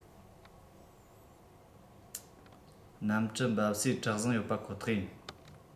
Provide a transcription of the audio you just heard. གནམ གྲུ འབབ སའི གྲུ གཟིངས ཡོད པ ཁོ ཐག ཡིན